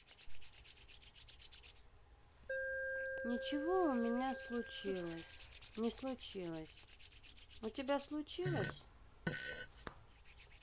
ничего у меня случилось не случилось у тебя случилось